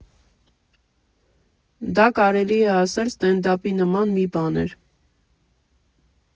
Դա կարելի է ասել ստենդափի նման մի բան էր։